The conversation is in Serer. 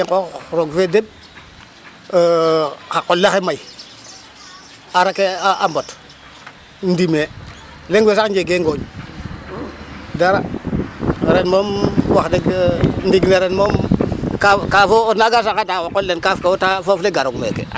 Ga i nqoox roog fe deɓ xa qol axe may aar ake a mbot ndimee leŋ we sax njegee gooñ dara. Ren moom wax deg ndiig ne ren moom kaaf o o nanga saxadaa o qol le kaaf ke te foof le garong meeke.